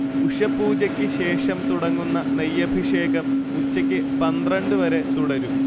ഉഷഃപൂജക്ക്ശേഷം തുടങ്ങുന്ന നെയ്യഭിഷേകം ഉച്ചക്ക് പന്ത്രണ്ട് വരെ തുടരും